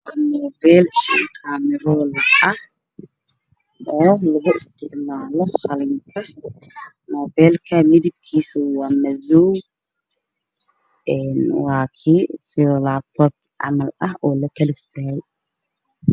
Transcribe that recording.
Waa muubeel shan kaamiroole ah, waxaa lugu isticmaalaa qalin, midabkiisu waa madow waa kiisida laabtoobka camal ah oo lakala furo.